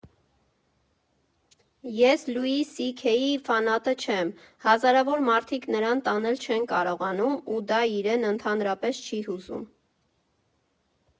Ես Լուի Սի Քեյի ֆանատը չեմ, հազարավոր մարդիկ նրան տանել չեն կարողանում, ու դա իրեն ընդհանրապես չի հուզում։